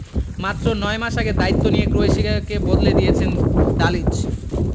মাত্র ৯ মাস আগে দায়িত্ব নিয়ে ক্রোয়েশিয়াকে বদলে দিয়েছেন দালিচ